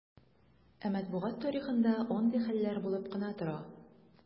Ә матбугат тарихында андый хәлләр булып кына тора.